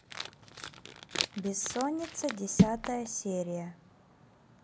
бессонница десятая серия